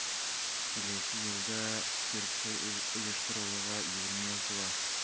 Киләсе елда Тюрксой оештырылуга 20 ел тула.